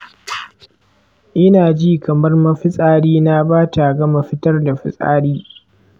ina jin kamar mafitsari na bata gama fitar da fitsari.